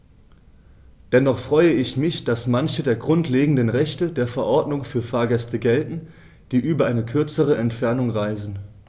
Dennoch freue ich mich, dass manche der grundlegenden Rechte der Verordnung für Fahrgäste gelten, die über eine kürzere Entfernung reisen.